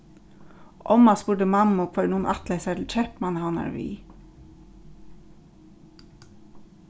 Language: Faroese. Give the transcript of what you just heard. omma spurdi mammu hvørjum hon ætlaði sær til keypmannahavnar við